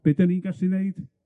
Be' 'dan ni'n gallu neud?